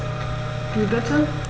Wie bitte?